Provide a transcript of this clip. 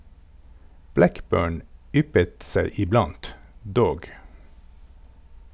Blackburn yppet seg iblant, dog.